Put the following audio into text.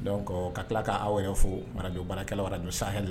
Ka tila k' aw yɛrɛ fojj sa